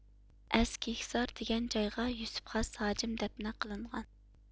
ئەسكىھسار دېگەن جايغا يۈسۈپ خاس ھاجىم دەپنە قىلىنغان